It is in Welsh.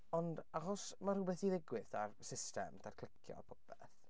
Ond achos ma' rywbeth 'di ddigwydd 'da'r system 'da'r clicio a popeth,